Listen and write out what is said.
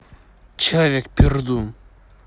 человек пердун